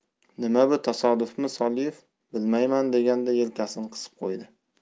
nima bu tasodifmi soliev bilmayman deganday yelkasini qisib qo'ydi